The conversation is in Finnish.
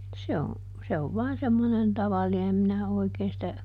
se on se on vain semmoinen tavallinen en minä oikein sitä